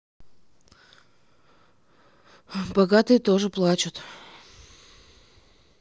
богатые тоже плачут